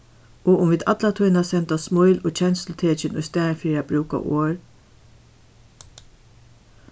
og um vit alla tíðina senda smíl og kenslutekin í staðin fyri at brúka orð